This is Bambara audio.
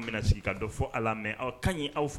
Munw bɛ na sigi ka dɔ fɔ ala, mais aw Kaɲin aw f